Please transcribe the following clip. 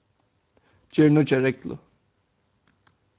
ger nýggja reglu